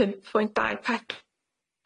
Pump pwynt dau ped-